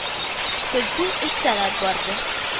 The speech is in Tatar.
Тентү өч сәгать барды